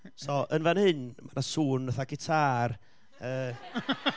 So, yn fan hyn, ma' 'na sŵn fatha gitar, yy ...